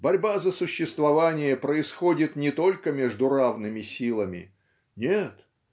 Борьба за существование происходит не только между равными силами нет